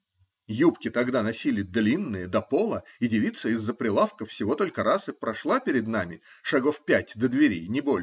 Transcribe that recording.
Юбки тогда носили длинные до пола, и девица из-за прилавка всего только раз и прошла перед нами, шагов пять до двери, не больше.